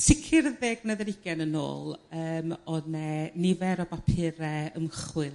Sicr y ddeg mlynedd ar ugen yn ôl yrm o'dd 'ne nifer o bapure ymchwil